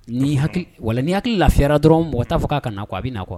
Ni hakili wa nini hakili lafira dɔrɔn mɔgɔ taaa fɔ'a ka na ko a bɛ naa kuwa